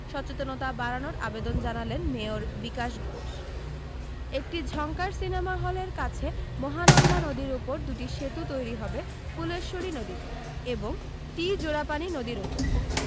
সচেতনতা বাড়ানোর আবেদন জানালেন মেয়র বিকাশ ঘোষ একটি ঝংকার সিনেমা হলের কাছে মহানন্দা নদীর উপর দুটি সেতু তৈরী হবে ফূলেশ্বরী নদীতে এবং টি জোড়াপানি নদীর উপর